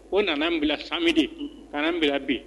O nana bila samedi ka na n bila bi.